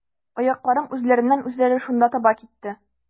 Аякларым үзләреннән-үзләре шунда таба китте.